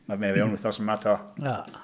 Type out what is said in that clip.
Mae hi fewn wythnos yma 'to... O.